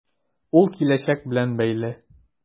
Ул киләчәк белән бәйле.